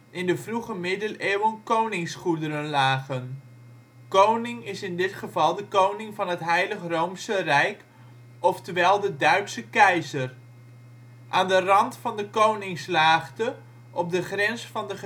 in de vroege middeleeuwen koningsgoederen lagen. Koning is in dit geval de koning van het Heilig Roomse Rijk, oftewel de Duitse keizer. Aan de rand van de Koningslaagte, op de grens van de